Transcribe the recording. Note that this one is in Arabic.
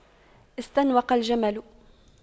استنوق الجمل